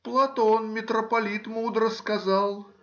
Платон митрополит мудро сказал